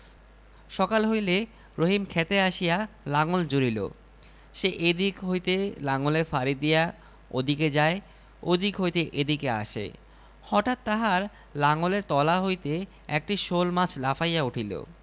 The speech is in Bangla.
তাহারা জিজ্ঞাসা করিল তোমরা এত চেঁচামেচি করিতেছ কেন তােমাদের কি হইয়াছে রহিম বলিল দেখ ভাই সকলরা আজ আমি একটা তাজা শােলমাছ ধরিয়া